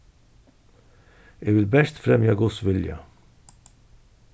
eg vil bert fremja guds vilja